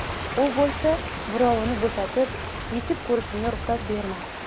u bo'lsa burovini bo'shatib yechib ko'rishimga hech ruxsat bermasdi